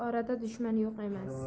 orada dushman yo'q emas